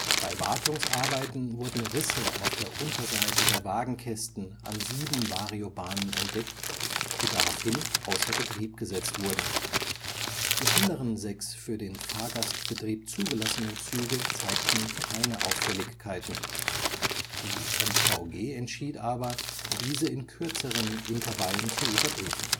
Bei Wartungsarbeiten wurden Risse auf der Unterseite der Wagenkästen an sieben Variobahnen entdeckt, die daraufhin außer Betrieb gesetzt wurden. Die anderen sechs für den Fahrgastbetrieb zugelassenen Züge zeigten keine Auffälligkeiten; die MVG entschied aber, diese in kürzeren Intervallen zu überprüfen